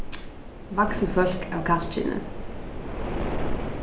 vaksið fólk av kallkyni